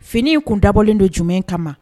Fini kun dabɔlen don jumɛn kama?